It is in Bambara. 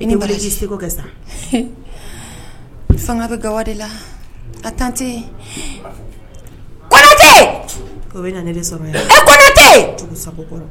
i niji se sa fanga bɛ gawa la a tan tɛtɛ bɛ sɔrɔ